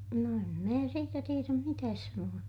no en minä siitä tiedä mitään sanoa